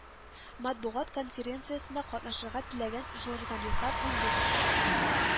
Матбугат конференциясендә катнашырга теләгән журналистлар ундүрт